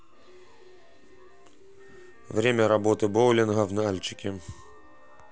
время работы боулинга в нальчике